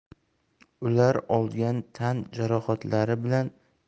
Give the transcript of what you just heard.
ular olgan tan jarohatlari bilan